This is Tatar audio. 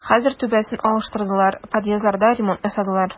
Хәзер түбәсен алыштырдылар, подъездларда ремонт ясадылар.